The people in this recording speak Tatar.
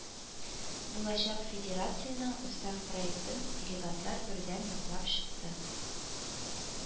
Булачак Федерациянең Устав проектын делегатлар бердәм яклап чыкты